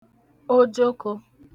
ojokō